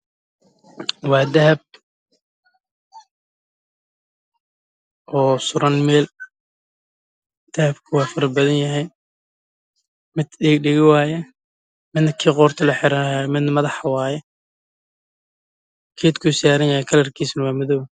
Meeshan waxaa iiga muuqdaabe dhaga dhago daabi daabi ah